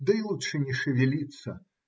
Да и лучше не шевелиться.